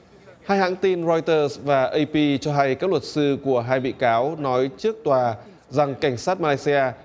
hai hãng tin roai tơ và ây pi cho hay các luật sư của hai bị cáo nói trước tòa rằng cảnh sát ma lay xi a